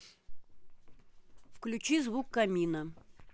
включи звук камина